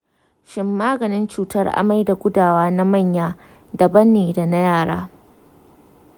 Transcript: shin maganin cutar amai da gudawa na manya daban ne da na yara?